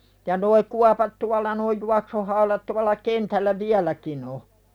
ja nuo kuopat tuolla nuo juoksuhaudat tuolla kentällä vieläkin on